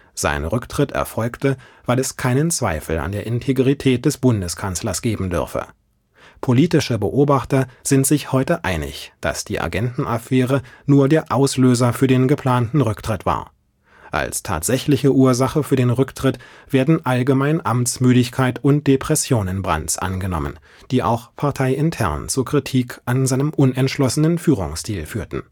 Sein Rücktritt erfolge, weil es keinen Zweifel an der Integrität des Bundeskanzlers geben dürfe. Politische Beobachter sind sich heute einig, dass die Agentenaffäre nur der Auslöser für den geplanten Rücktritt war. Als tatsächliche Ursache für den Rücktritt werden allgemein Amtsmüdigkeit und Depressionen Brandts angenommen, die auch parteiintern zu Kritik an seinem unentschlossenen Führungsstil führten